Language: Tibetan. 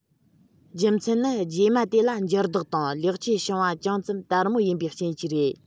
རྒྱུ མཚན ནི རྗེས མ དེ ལ འགྱུར ལྡོག དང ལེགས བཅོས བྱུང བ ཅུང ཙམ དལ མོ ཡིན པའི རྐྱེན གྱིས རེད